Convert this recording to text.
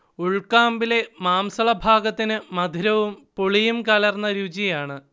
ഉൾക്കാമ്പിലെ മാംസളഭാഗത്തിന് മധുരവും പുളിയും കലർന്ന രുചിയാണ്